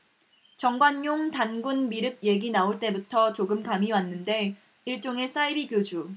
정관용 단군 미륵 얘기 나올 때부터 조금 감이 왔는데 일종의 사이비교주